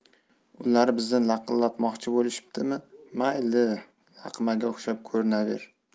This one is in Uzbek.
ular bizni laqillatmoqchi bo'lishibdimi mayli laqmaga o'xshab ko'rinaver